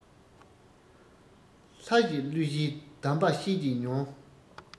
ལྷ ཞི གླུ ཞིའི གདམས པ བཤད ཀྱི ཉོན